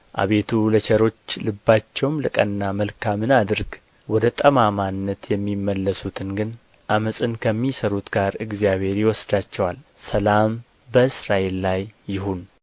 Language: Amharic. አቤቱ ለቸሮች ልባቸውም ለቀና መልካምን አድርግ ወደ ጠማማነት የሚመለሱትን ግን ዓመፃን ከሚሠሩት ጋር እግዚአብሔር ይወስዳቸዋል ሰላም በእስራኤል ላይ ይሁን